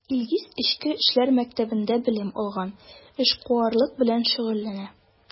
Илгиз Эчке эшләр мәктәбендә белем алган, эшкуарлык белән шөгыльләнә.